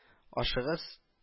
Ашыгыс